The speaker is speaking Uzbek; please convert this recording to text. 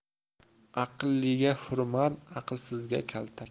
aqlliga hurmat aqlsizga kaltak